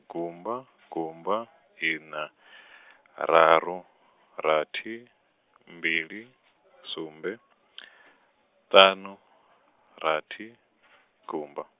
gumba, gumba , ina, raru, rathi, mbili , sumbe, ṱanu, rathi , gumba.